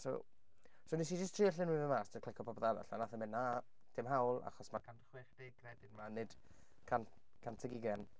So so wnes i jyst trio llenwi fe mas 'da clico popeth arall, a wnaeth e mynd "na dim hawl achos ma' cant chwech deg credyd 'ma nid can- cant ag ugain.